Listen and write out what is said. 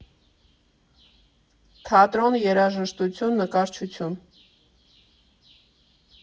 Թատրոն, երաժշտություն, նկարչություն։